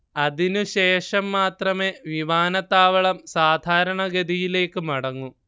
അതിന് ശേഷം മാത്രമേ വിമാനത്താവളം സാധാരണഗതിയിലേക്ക് മടങ്ങൂ